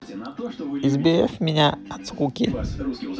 избавь меня от скуки